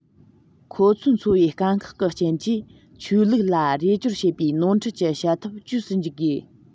ཁོ ཚོའི འཚོ བའི དཀའ ཁག གི རྐྱེན གྱིས ཆོས ལུགས ལ རེ བཅོལ བྱེད པའི ནོར འཁྲུལ གྱི བྱ ཐབས བཅོས སུ འཇུག དགོས